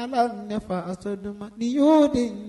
Ala ne ason dɔ ma nin y' de